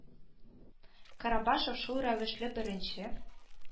Карабашев шул рәвешле беренче